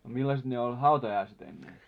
millaiset ne oli hautajaiset ennen